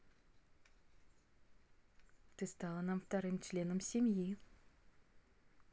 ты стала нам вторым членом семьи